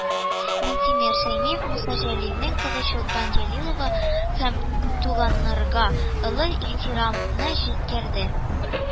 Минтимер Шәймиев Муса Җәлилнең кызы Чулпан Җәлиловага һәм туганнарга олы ихтирамын җиткерде